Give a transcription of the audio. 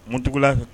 Munugula